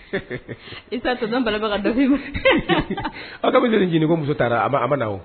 Issa tonton Balla bɛ ka dɔ fɔ i ma <RIRES< ko muso tara a maa a mana o